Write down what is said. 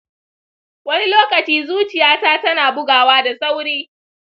wani lokaci zuciyata tana bugawa da sauri.